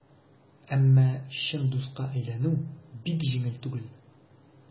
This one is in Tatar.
Әмма чын дуска әйләнү бик җиңел түгел.